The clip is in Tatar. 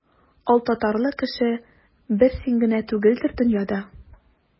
Алтатарлы кеше бер син генә түгелдер дөньяда.